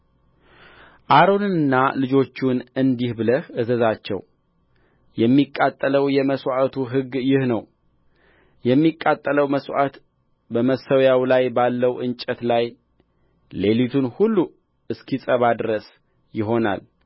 አሮንንና ልጆቹን እንዲህ ብለህ እዘዛቸው የሚቃጠለው የመሥዋዕቱ ሕግ ይህ ነው የሚቃጠለው መሥዋዕት በመሠዊያው ላይ ባለው እንጨት ላይ ሌሊቱን ሁሉ እስኪጸባ ድረስ ይሆናል